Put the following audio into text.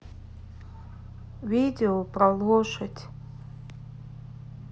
видео про лошадь